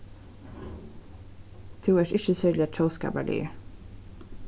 tú ert ikki serliga tjóðskaparligur